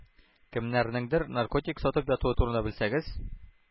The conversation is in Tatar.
Кемнәрнеңдер наркотик сатып ятуы турында белсәгез,